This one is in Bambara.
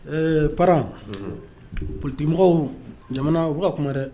Ɛɛ pararan ptimɔgɔw ɲamana u b' kuma dɛ